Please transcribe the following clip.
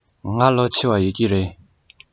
ང ལོ ཆེ བ ཡོད ཀྱི རེད